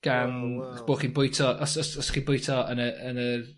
gan... O wow. ...bo' chi bwyta. Os o's os chi'n bwyta yn y yn yr